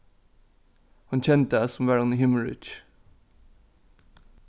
hon kendi tað sum var hon í himmiríki